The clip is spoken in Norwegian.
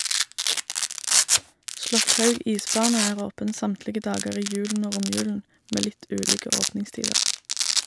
Slåtthaug isbane er åpen samtlige dager i julen og romjulen med litt ulike åpningstider.